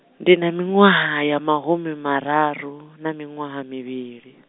ndi na miṅwaha ya mahumi mararu na miṅwaha mivhili.